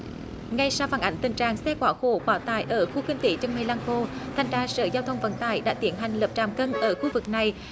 ngay sau phản ánh tình trạng xe quá khổ quá tải ở khu kinh tế chân mây lăng cô thanh tra sở giao thông vận tải đã tiến hành lập trạm cân ở khu vực này